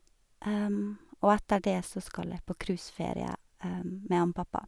Og etter det så skal jeg på cruiseferie med han pappa.